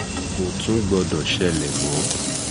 Kò tún gbọdọ̀ ṣẹlẹ̀ mọ́'